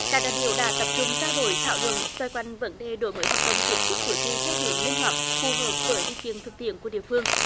cả đại biểu đã tập trung trao đổi thảo luận xoay quanh vấn đề đổi mới hoạt động tiếp xúc cử tri theo hướng linh hoạt phù hợp với điều kiện thực tiễn của địa phương